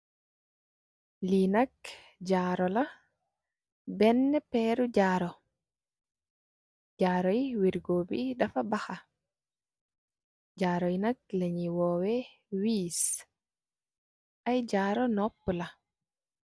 Li nak jaaru la bena peri jaaru jaaru yi wergo bi dafa baxa jaaru nak lenyui woweh wees ay jaaru noopu la.